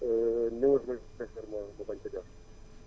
numéro bi sincèrement ma bañ ko joxe